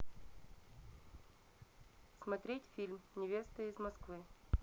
смотреть фильм невеста из москвы